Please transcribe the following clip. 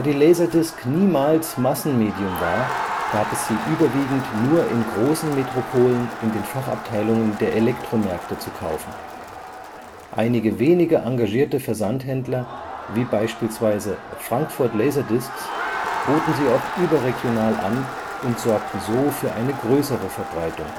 Laserdisc niemals Massenmedium war, gab es sie überwiegend nur in großen Metropolen in den Fachabteilungen der Elektromärkte zu kaufen. Einige wenige engagierte Versandhändler wie beispielsweise „ Frankfurt Laserdiscs “boten sie auch überregional an und sorgten so für eine größere Verbreitung